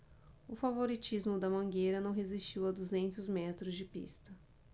o favoritismo da mangueira não resistiu a duzentos metros de pista